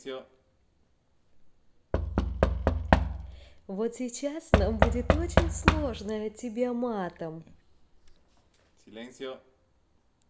вот сейчас нам будет очень сложная тебя матом